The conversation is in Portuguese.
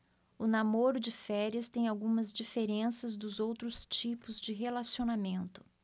o namoro de férias tem algumas diferenças dos outros tipos de relacionamento